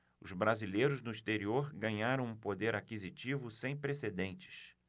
os brasileiros no exterior ganharam um poder aquisitivo sem precedentes